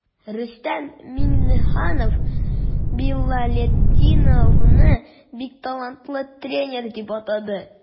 Рөстәм Миңнеханов Билалетдиновны бик талантлы тренер дип атады.